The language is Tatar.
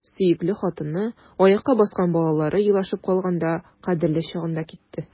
Сөекле хатыны, аякка баскан балалары елашып калганда — кадерле чагында китте!